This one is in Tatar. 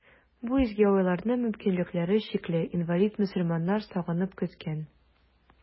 Бу изге айларны мөмкинлекләре чикле, инвалид мөселманнар сагынып көткән.